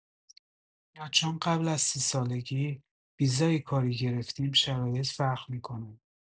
یا چون قبل از سی‌سالگی ویزا کاری گرفتیم شرایط فرق می‌کنه؟